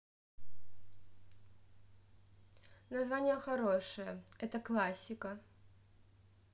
название хорошее это классика